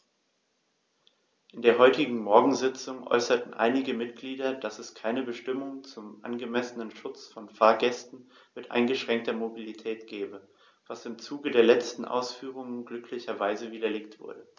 In der heutigen Morgensitzung äußerten einige Mitglieder, dass es keine Bestimmung zum angemessenen Schutz von Fahrgästen mit eingeschränkter Mobilität gebe, was im Zuge der letzten Ausführungen glücklicherweise widerlegt wurde.